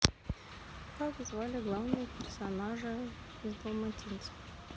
как звали главного персонажа из далматинцев